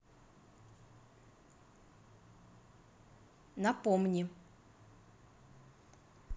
напомни